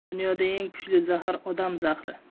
dunyoda eng kuchli zahar odam zahri